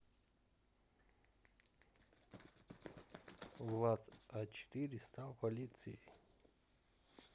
влад а четыре стал полицией